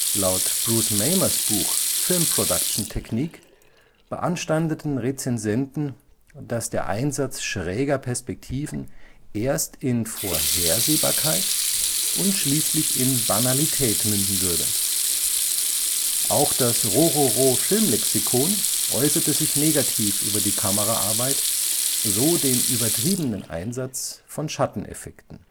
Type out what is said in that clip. Laut Bruce Mamers Buch Film Production Technique beanstandeten Rezensenten, dass der Einsatz schräger Perspektiven erst in Vorhersehbarkeit und schließlich in Banalität münden würde. Auch das rororo Filmlexikon äußerte sich negativ über die Kameraarbeit, so den übertriebenen Einsatz von Schatteneffekten